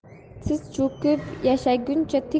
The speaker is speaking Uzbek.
tiz cho'kib yashaguncha